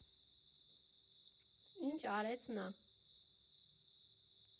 Ինչ արեց նա.